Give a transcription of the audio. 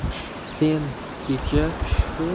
sen kecha u